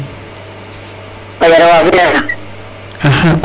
fa yar waagee ref